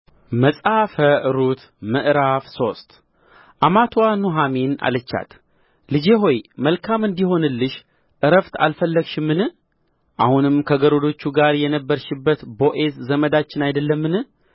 መጽሐፈ ሩት ምዕራፍ ሶስት አማትዋም ኑኃሚን አለቻት ልጄ ሆይ መልካም እንዲሆንልሽ ዕረፍት አልፈልግልሽምን አሁንም ከገረዶቹ ጋር የነበርሽበት ቦዔዝ ዘመዳችን አይደለምን